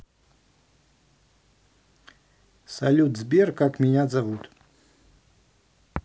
салют сбер как меня зовут